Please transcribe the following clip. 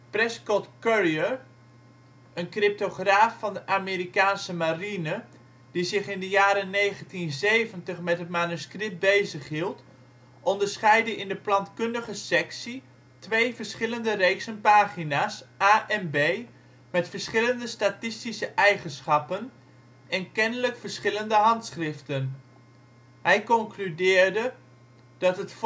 Prescott Currier, een cryptograaf van de Amerikaanse marine, die zich in de jaren 1970 met het manuscript bezighield, onderscheidde in de plantkundige sectie twee verschillende reeksen pagina 's, A en B, met verschillende statistische eigenschappen en kennelijk verschillende handschriften. Hij concludeerde dat het